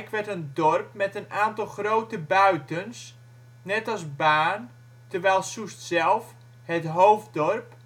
werd een dorp met een aantal grote buitens, net als Baarn, terwijl Soest zelf, het hoofddorp